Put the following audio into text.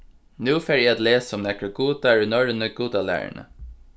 nú fari eg at lesa um nakrar gudar í norrønu gudalæruni